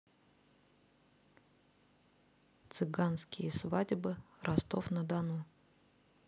цыганские свадьбы ростов на дону